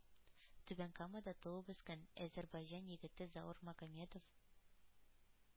Түбән Камада туып-үскән әзербайҗан егете Заур Магомедов